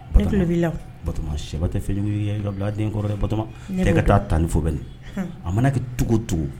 O b' ii la bato sɛba tɛ fɛn ye yɔrɔ bila den kɔrɔ bato ka taa a tan ni fo bɛ a mana kɛ tugu to